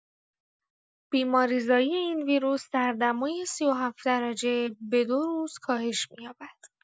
بیماری‌زایی این ویروس در دمای ۳۷ درجه به دو روز کاهش می‌یابد.